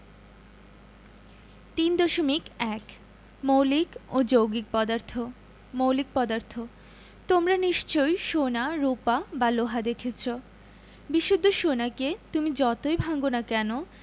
৩.১ মৌলিক ও যৌগিক পদার্থঃ মৌলিক পদার্থ তোমরা নিশ্চয় সোনা রুপা বা লোহা দেখেছ বিশুদ্ধ সোনাকে তুমি যতই ভাঙ না কেন